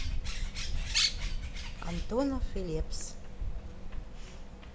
антонов и лепс